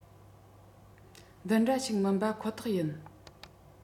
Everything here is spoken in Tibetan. འདི འདྲ ཞིག མིན པ ཁོ ཐག རེད